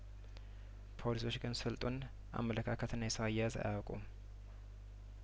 ፖሊሶች ግን ስልጡን አመለካከትና የሰው አያያዝ አያቁም